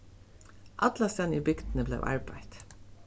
allastaðni í bygdini bleiv arbeitt